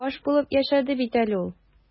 Баш булып яшәде бит әле ул.